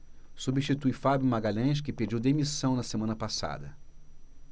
substitui fábio magalhães que pediu demissão na semana passada